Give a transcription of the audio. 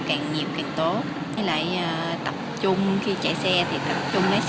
càng tốt giới lại tập trung khi chạy xe